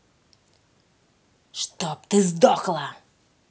чтоб ты сдохла